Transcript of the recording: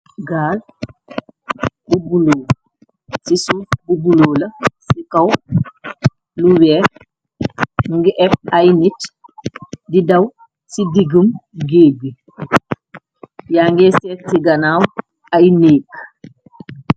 Gaal bu buloo ci suuf bubulo la ci kaw lu weer ngi ef ay nic di daw ci digum géegi yaa ngee seet ci ganaaw ay néek.